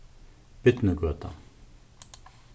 birnugøta